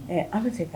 Ala bɛ tɛ ka